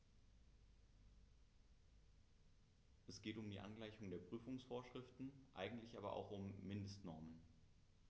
Es geht um die Angleichung der Prüfungsvorschriften, eigentlich aber auch um Mindestnormen.